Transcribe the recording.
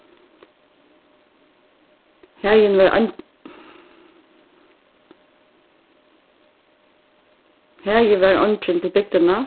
hagin var hagi var eingin til bygdina